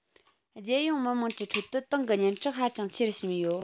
རྒྱལ ཡོངས མི དམངས ཀྱི ཁྲོད དུ ཏང གི སྙན གྲགས ཧ ཅང ཆེ རུ ཕྱིན ཡོད